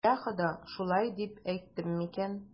Йа Хода, шулай дип әйттем микән?